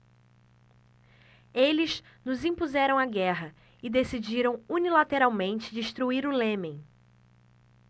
eles nos impuseram a guerra e decidiram unilateralmente destruir o iêmen